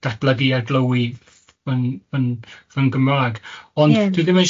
datblygu a gloywi yn yn yn Gymraeg. Ond... Ie...dwi ddim yn si-